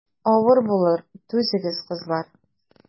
Авыр булыр, түзегез, кызлар.